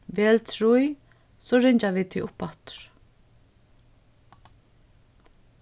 vel trý so ringja vit teg uppaftur